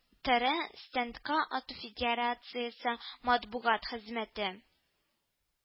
ТР Стендка ату федерациясе матбугат хезмәте